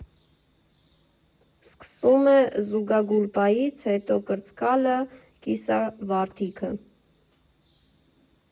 Սկսում է զուգագուլպայից, հետո՝ կրծկալը, կիսավարտիքը։